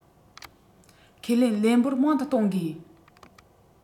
ཁས ལེན ལས འབོར མང དུ གཏོང དགོས